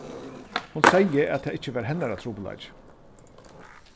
hon segði at tað ikki var hennara trupulleiki